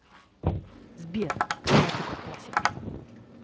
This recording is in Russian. сбер кто напукал в классе